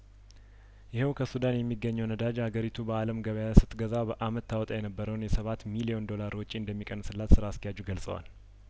ይኸው ከሱዳን የሚገኘው ነዳጅ አገሪቱ በአለም ገበያስት ገዛ በአመት ታወጣ የነበረውን የሰባት ሚሊዮን ዶላር ወጪ እንደሚቀንስላት ስራ አስኪያጁ ገልጸዋል